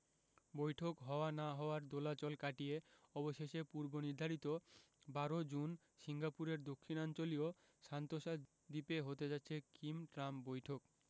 বৈঠক হওয়া না হওয়ার দোলাচল কাটিয়ে অবশেষে পূর্বনির্ধারিত ১২ জুন সিঙ্গাপুরের দক্ষিণাঞ্চলীয় সান্তোসা দ্বীপে হতে যাচ্ছে কিম ট্রাম্প বৈঠক